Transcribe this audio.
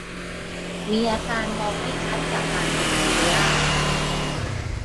มีอาการมองไม่ชัดจากการติดเชื้อ